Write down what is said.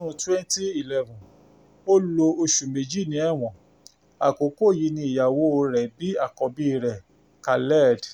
Ní ọdún 2011, ó lo oṣù méjì ní ẹ̀wọ̀n, àkókò yìí ni ìyàwóo rẹ̀ bí àkọ́bíi rẹ̀, Khaled.